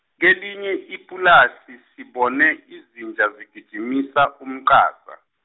kelinye ipulasi, sibona, izinja zigijimisa umqasa.